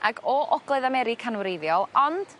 Ag o ogledd America'n wreiddiol ond